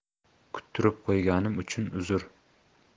kuttirib qo'yganim uchun uzr